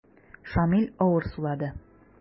Шамил авыр сулады.